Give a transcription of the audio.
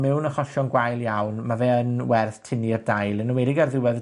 mewn achosion gwael iawn, ma' fe yn werth tynnu'r dail, yn enwedig ar ddiwedd y